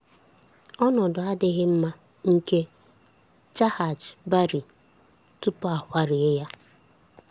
Ọnọdụ adịghị mma nke "Jahaj Bari" tupu a kwarie ya.